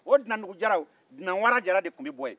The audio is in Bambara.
o dunandugu jaraw dunanwara jara de tu be bɔ yen